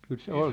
kyllä se oli se